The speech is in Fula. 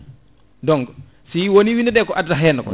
donc si yi winndede ko addata henna ko